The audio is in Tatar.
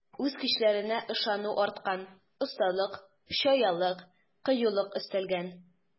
Үз көчләренә ышану арткан, осталык, чаялык, кыюлык өстәлгән.